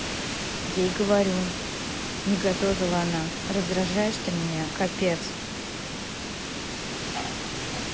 я и говорю не готовила она раздражаешь ты меня капец